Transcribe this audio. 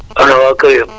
ana waa kër yëpp